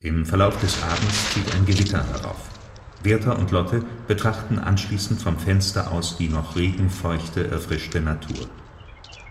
Im Verlauf des Abends zieht ein Gewitter herauf. Werther und Lotte betrachten anschließend vom Fenster aus die noch regenfeuchte, erfrischte Natur.